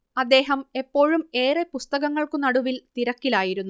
അദ്ദേഹം എപ്പോഴും ഏറെ പുസ്തകങ്ങൾക്കുനടുവിൽ തിരക്കിലായിരുന്നു